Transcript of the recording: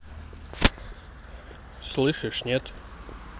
слышишь нет